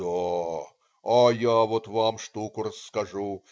-"Да. А я вот вам штуку расскажу.